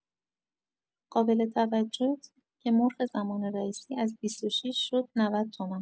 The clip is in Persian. قابل‌توجه‌ات که مرغ زمان رئیسی از ۲۶ شد ۹۰ تومن